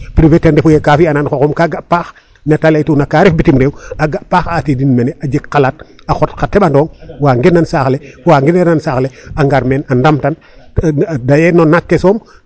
Privée ten refu yee ka fi'anan xooxum ka ga' paax ne ta laytuna ka ref bitim reew a ga' paax a atiidin mene a jeg xalaat a xotaa xa teɓandong wa ngena saax le fo wa ngeneerna saax le a ngar meen a laamtan deye no naak ke soom.